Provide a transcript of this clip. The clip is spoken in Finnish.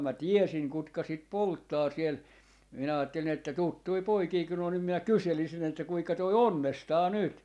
minä tiesin ketkä sitä polttaa siellä minä ajattelin että tuttuja poikia kun ne on niin minä kyselisin että kuinka toi onnestaa nyt